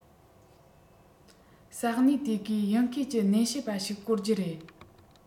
ས གནས དེ གའི དབྱིན སྐད ཀྱི སྣེ ཤན པ ཞིག བཀོལ རྒྱུ རེད